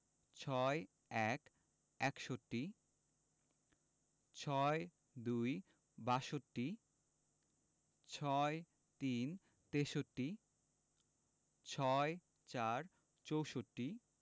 ৬১ – একষট্টি ৬২ – বাষট্টি ৬৩ – তেষট্টি ৬৪ – চৌষট্টি